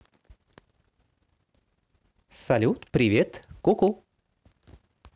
салют привет ку ку